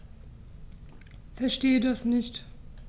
Verstehe das nicht.